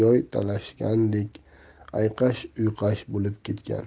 joy talashgandek ayqash uyqash bo'lib ketgan